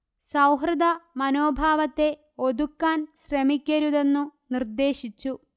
സൌഹൃദ മനോഭാവത്തെ ഒതുക്കാൻ ശ്രമിക്കരുതെന്നു നിര്ദ്ദേശിച്ചു